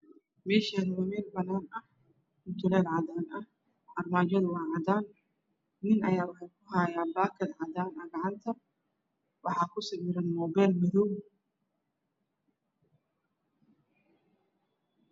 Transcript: Meeshani waa meel banan ah mutulel cadaan ah armajadu waa cadaan nin ayaa wuxu kuhayaa baakad cadaan ah gacanta waxaa kusawiran mobeel madaw